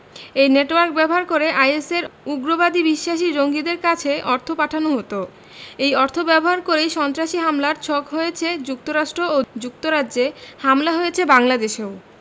এই নেটওয়ার্ক ব্যবহার করে আইএসের উগ্রবাদী বিশ্বাসী জঙ্গিদের কাছে অর্থ পাঠানো হতো এই অর্থ ব্যবহার করেই সন্ত্রাসী হামলার ছক হয়েছে যুক্তরাষ্ট্র ও যুক্তরাজ্যে হামলা হয়েছে বাংলাদেশেও